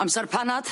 Amsar panad?